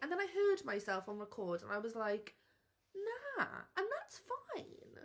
and then I heard myself on record and I was like, na! And that's fine.